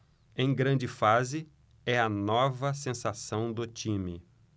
em grande fase é a nova sensação do time